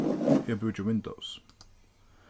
eg brúki windows